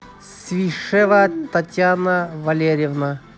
свищева татьяна валерьевна